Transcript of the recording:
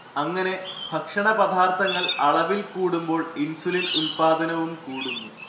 അങ്ങനെ ഭക്ഷണപദാർഥങ്ങൾ അളവിൽ കൂടുമ്പോൾ ഇൻസുലിൻ ഉൽപാദനവും കൂടുന്നു